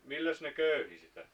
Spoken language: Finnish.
milläs ne köyhi sitä